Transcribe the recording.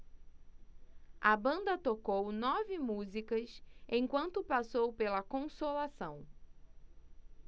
a banda tocou nove músicas enquanto passou pela consolação